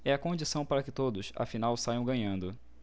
é a condição para que todos afinal saiam ganhando